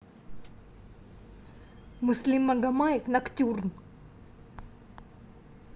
муслим магомаев ноктюрн